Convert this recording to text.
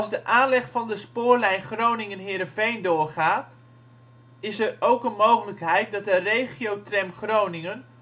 de aanleg van de Spoorlijn Groningen - Heerenveen doorgaat, is er een mogelijkheid dat de RegioTram Groningen